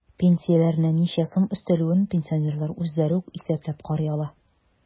Пенсияләренә ничә сум өстәлүен пенсионерлар үзләре үк исәпләп карый ала.